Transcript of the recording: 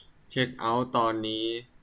เช็คเอ้าท์ตอนนี้